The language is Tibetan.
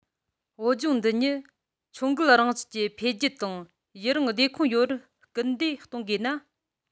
བོད ལྗོངས འདི ཉིད མཆོང བརྒལ རང བཞིན གྱི འཕེལ རྒྱས དང ཡུན རིང བདེ འཁོད ཡོང བར སྐུལ འདེད གཏོང དགོས ན